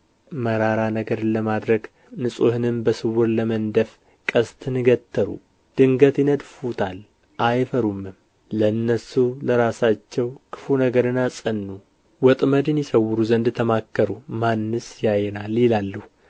መራራ ነገርን ለማድረግ ንጹሕንም በስውር ለመንደፍ ቀስትን ገተሩ ድንገት ይነድፉታል አይፈሩምም ለእነርሱ ለራሳቸው ክፉ ነገርን አጸኑ ወጥመድን ይሰውሩ ዘንድ ተማከሩ ማንስ ያየናል ይላሉ